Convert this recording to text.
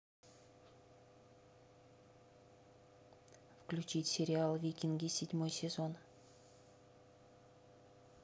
включить сериал викинги седьмой сезон